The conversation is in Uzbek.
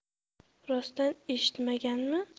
rostdan eshitmaganmi